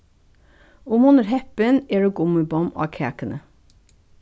um hon er heppin eru gummibomm á kakuni